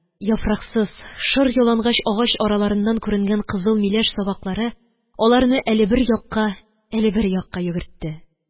Яфраксыз, шыр ялангач агач араларыннан күренгән кызыл миләш сабаклары аларны әле бер якка, әле бер якка йөгертте.